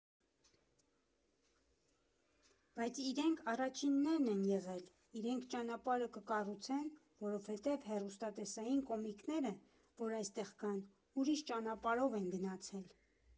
Բայց իրենք առաջիններն են եղել, իրենք ճանապարհը կկառուցեն, որովհետև հեռուստատեսային կոմիկները, որ այստեղ կան, ուրիշ ճանապարհով են գնացել։